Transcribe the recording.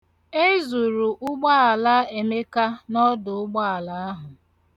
Ezuru ụgbọala Emeka n'ọdụụgbọala ahụ.